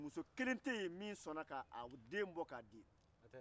muso kelen te yen min sɔnna k'a den bɔ k'a di